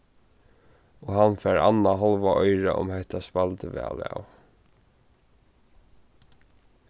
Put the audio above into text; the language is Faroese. og hann fær annað hálva oyrað um hetta spældi væl av